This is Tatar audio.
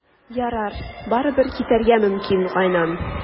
Ярар, барыбер, китәргә мөмкин, Гайнан.